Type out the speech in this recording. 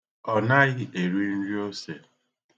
Ọ naghị eri nri ose.